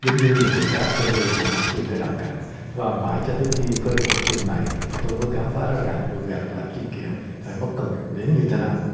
giống như nhiều người khác tôi nuôi một con chim để làm cảnh và mãi cho tới khi có được con chim này thì tôi mới khám phá ra rằng người việt làm phim kiến phải mất công đến như thế nào